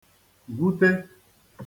gwute